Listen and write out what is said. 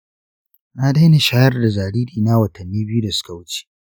na daina shayar da jaririna watanni biyu da suka wuce.